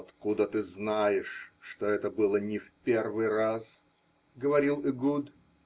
-- Откуда ты знаешь, что это было не в первый раз? -- говорил Эгуд.